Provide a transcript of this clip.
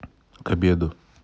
к обеду